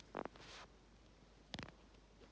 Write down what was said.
все ключи и тебе желаем